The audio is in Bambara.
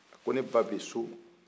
a ko ne ba bɛ so